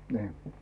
niin